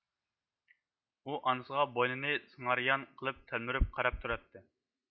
ئۇ ئانىسىغا بوينىنى سىڭاريان قىلىپ تەلمۈرۈپ قاراپ تۇراتتى